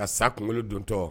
A sa kuŋolo dontɔ